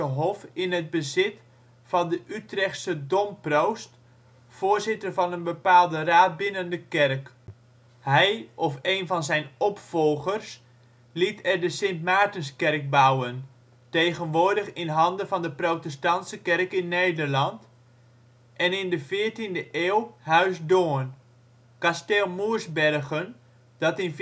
hof in het bezit van de Utrechtse domproost (voorzitter van een bepaalde raad binnen de kerk). Hij of een van zijn opvolgers liet er de (Sint -) Maartenskerk bouwen (tegenwoordig in handen van de Protestantse Kerk in Nederland) en in de 14e eeuw Huis Doorn. Kasteel Moersbergen, dat in